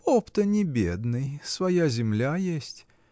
Поп-то не бедный: своя земля есть.